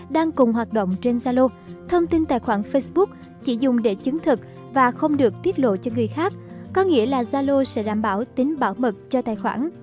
đang cùng hoạt động trên zalo thông tin tài khoản facebook chỉ dùng để chứng thực và không được tiết lộ cho người khác có nghĩa là zalo sẽ đảm bảo tính bảo mật cho tài khoản